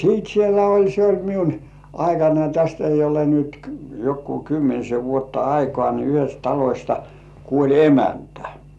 sitten siellä oli se oli minun aikanani tästä ei ole nyt joku kymmenisen vuotta aikaa niin yhdestä talosta kuoli emäntä